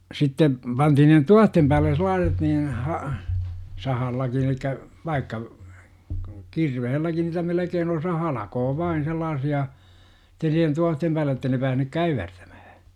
sitten pantiin ne tuohien päälle sellaiset niin - sahallakin eli vaikka kirveelläkin niitä melkein osa halkoo vain sellaisia että siihen tuohien päälle jotta ei ne päässyt käyvertämään